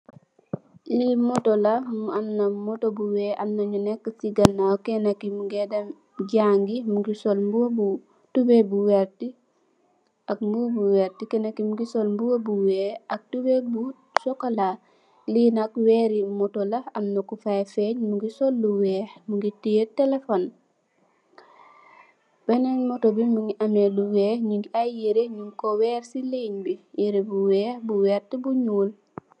Li moto la mu am moto bu weex amna amna nyu neka si ganaw kenen ki mogeh den jànge mogi sol mbuba bu tubai bu werta ak mbuba bu werta kenen ki mogi sol mbuba bu weex ak tubay bu chocola li nak weeri moto la amna kofay feen mogi sol lu weex mogi teye telephone bene ln moto bi mogi ame lu weex mogi ame ay yere nyu ko weer si lin bi yere bu weex bu werta bu nuul.